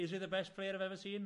Is he the best player I've ever seen?